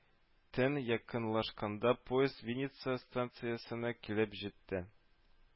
Төн якынлашканда поезд Винница станциясенә килеп җитте